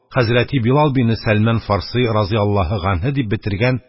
Хәзрәти билал бине сәлман фарси разый аллаһе ганһе», – дип бетергән